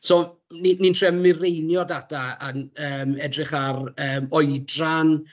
so ni ni'n trio mireinio data ac edrych ar oedran.